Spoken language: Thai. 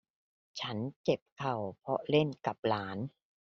ฉันเจ็บเข่าเพราะเล่นกับหลาน